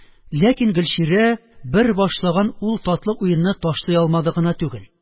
Ләкин Гөлчирә бер башланган ул татлы уенны ташлый алмады гына түгел